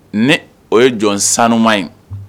Ne o ye jɔn sanuuma ye